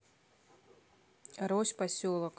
рось поселок